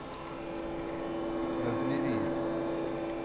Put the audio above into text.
разберись